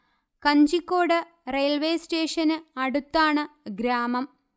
Kanjikode railway സ്റ്റേഷന് അടുത്താണ് ഗ്രാമം